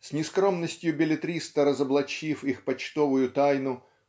с нескромностью беллетриста разоблачив их почтовую тайну